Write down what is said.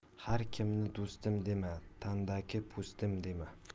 har kimni do'stim dema tandagi po'stim dema